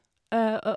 Og...